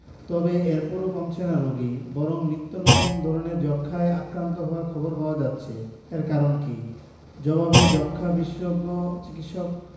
তবে এরপরও কমছে না রোগী বরং নিত্যনতুন ধরনের যক্ষ্মায় আক্রান্ত হওয়ার খবর পাওয়া যাচ্ছে এর কারণ কী জবাবে যক্ষ্মা বিশেষজ্ঞ চিকিৎসক